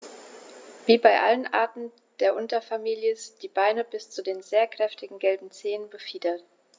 Wie bei allen Arten der Unterfamilie sind die Beine bis zu den sehr kräftigen gelben Zehen befiedert.